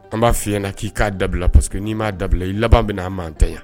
An b'a f'i ɲɛna k'i k'a dabila parce que n'i m'a dabila, i laban bɛna an mantanya!